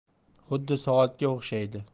xuddi soatga o'xshaydi